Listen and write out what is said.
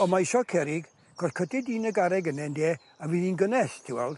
O ma' isio cerrig , 'chos cytud di'n y garreg yne ynde a fydd hi'n gynnes ti'n weld.